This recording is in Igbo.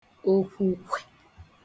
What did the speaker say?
òkwùkwè